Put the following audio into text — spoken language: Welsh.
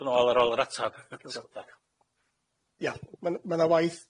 Mi ddylwn ni wedi ychwanegu yn fan 'na a gofyn